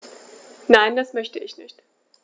Nein, das möchte ich nicht.